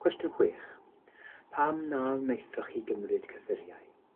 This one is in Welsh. Cwestiwn chwech: pam na wnaethoch chi gymryd cyffuriau?